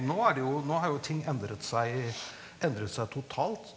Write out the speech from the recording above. nå er det jo nå har jo ting endret seg endret seg totalt.